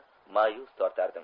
ma'yus tortardim